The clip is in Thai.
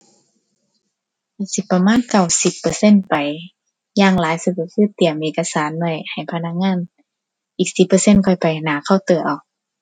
ก็สิประมาณเก้าสิบเปอร์เซ็นต์ไป อย่างหลาย เตรียมเอกสารไว้ให้พนักงาน อีกสิบเปอร์เซ็นต์ค่อยไปหน้าเคาน์เตอร์เอา